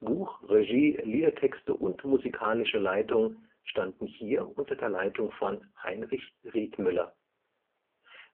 Buch, Regie, Liedertexte und musikalische Leitung standen hier unter der Leitung von Heinrich Riethmüller.